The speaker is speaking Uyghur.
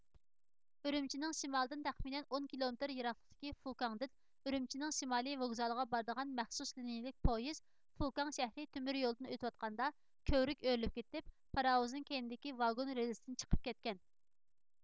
ئۈرۈمچىنىڭ شىمالىدىن تەخمىنەن ئون كىلومېتىر يىراقلىقتىكى فۇكاڭدىن ئۈرۈمچىنىڭ شىمالىي ۋوگزالىغا بارىدىغان مەخسۇس لىنيىلىك پويىز فۇكاڭ شەھىرى تۆمۈر يولىدىن ئۆتۈۋاتقاندا كۆۋرۈك ئۆرۈلۈپ كېتىپ پاراۋۇزنىڭ كەينىدىكى ۋاگۇن رېلىستىن چىقىپ كەتكەن